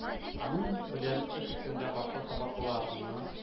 Аның белән эш иткәндә башта сабакларны